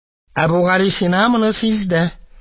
Әбүгалисина моны сизде.